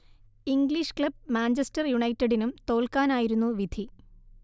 English club Manchester യുണൈറ്റഡിനും തോൽക്കാനായിരുന്നു വിധി